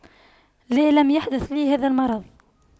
لا لم يحدث لي هذا المرض